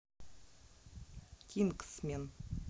кингсмен